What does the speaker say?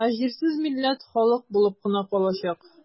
Ә җирсез милләт халык булып кына калачак.